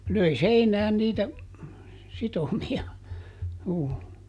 löi seinään niitä sitomia juu